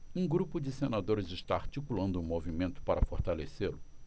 um grupo de senadores está articulando um movimento para fortalecê-lo